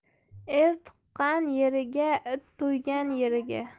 er tuqqan yeriga it to'ygan yeriga